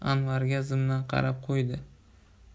anvarga zimdan qarab qo'ydi